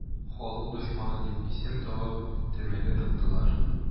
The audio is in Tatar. "халык дошманы" дип исем тагып төрмәгә тыктылар.